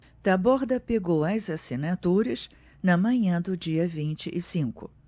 taborda pegou as assinaturas na manhã do dia vinte e cinco